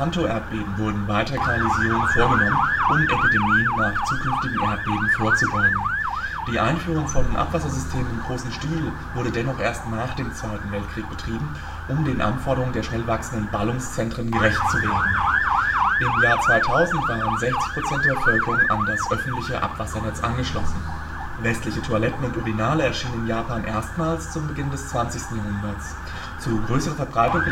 Großen Kanto-Erdbeben wurden weitere Kanalisierungen vorgenommen, um Epidemien nach zukünftigen Erdbeben vorzubeugen. Die Einführung von Abwassersystemen im großen Stil wurde dennoch erst nach dem Zweiten Weltkrieg betrieben, um den Anforderungen der schnell wachsenden Ballungszentren gerecht zu werden. Im Jahr 2000 waren 60 % der Bevölkerung an das öffentliche Abwassernetz angeschlossen. Westliche Toiletten und Urinale erschienen in Japan erstmals zu Beginn des 20. Jahrhunderts. Zu größerer Verbreitung gelangten